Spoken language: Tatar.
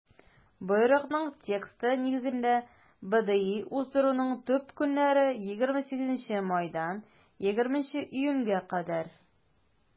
Боерыкның тексты нигезендә, БДИ уздыруның төп көннәре - 28 майдан 20 июньгә кадәр.